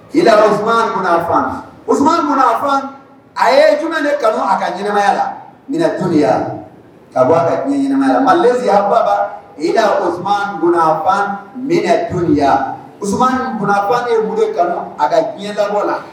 K' afan o kun aafan a ye j kanu a ka jinɛmaya la dunya ka bɔ a ka diɲɛya ma lesiya bababa o kunafan minɛ donya o kun ne bolo kanu a ka diɲɛdakɔ la